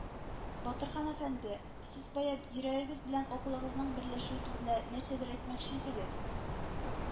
- батырхан әфәнде, сез бая йөрәгегез белән акылыгызның берләшүе турында нәрсәдер әйтмәкче идегез